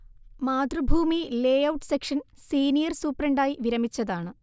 Mathrubhumi layout section senior സൂപ്രണ്ടായി വിരമിച്ചതാണ്